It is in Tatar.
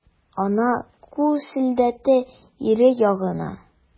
Ана кул селтәде ире ягына.